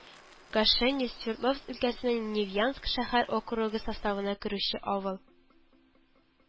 Гашени Свердловск өлкәсенең Невьянск шәһәр округы составына керүче авыл